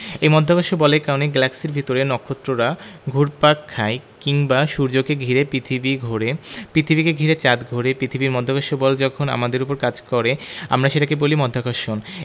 এই মহাকর্ষ বলের কারণে গ্যালাক্সির ভেতরে নক্ষত্ররা ঘুরপাক খায় কিংবা সূর্যকে ঘিরে পৃথিবী ঘোরে পৃথিবীকে ঘিরে চাঁদ ঘোরে পৃথিবীর মহাকর্ষ বল যখন আমাদের ওপর কাজ করে আমরা সেটাকে বলি মাধ্যাকর্ষণ